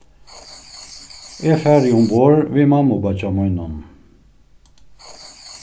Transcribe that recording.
eg fari umborð við mammubeiggja mínum